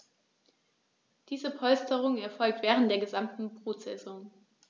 Diese Polsterung erfolgt während der gesamten Brutsaison.